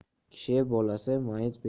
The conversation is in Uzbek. kishi bolasi mayiz